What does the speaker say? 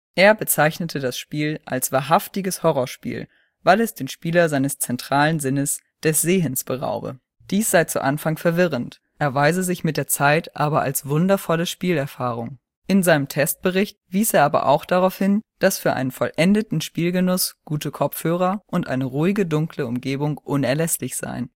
Er bezeichnete das Spiel als „ wahrhaftiges Horrorspiel “, weil es den Spieler seines zentralen Sinnes, des Sehens, beraube. Dies sei zu Anfang verwirrend, erweise sich mit der Zeit aber als „ wundervolle Spielerfahrung “. In seinem Testbericht wies er aber auch darauf hin, dass für einen vollendeten Spielgenuss gute Kopfhörer und eine ruhige, dunkle Umgebung unerlässlich seien